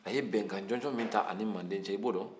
a ye bɛnkan jɔnjɔn min t'ani manden cɛ i b'o don